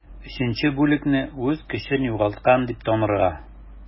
3 бүлекне үз көчен югалткан дип танырга.